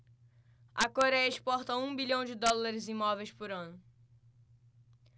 a coréia exporta um bilhão de dólares em móveis por ano